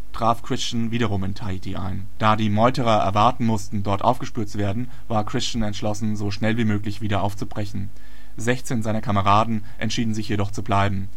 traf Christian wiederum in Tahiti ein. Da die Meuterer erwarten mussten, dort aufgespürt zu werden, war Christian entschlossen, so schnell wie möglich wieder aufzubrechen. Sechzehn seiner Kameraden entschieden sich jedoch zu bleiben